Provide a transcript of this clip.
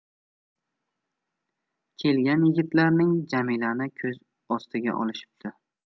kelgan yigitlarning jamilani ko'z ostiga olishibdi